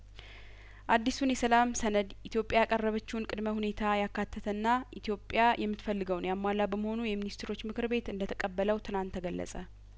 አዲሱን የሰላም ሰነድ ኢትዮጵያ ያቀረበችውን ቅድመ ሁኔታ ያካተተና ኢትዮጵያ የምትፈልገውን ያሟላ በመሆኑ የሚኒስትሮች ምክር ቤት እንደተቀበለው ትናንት ተገለጸ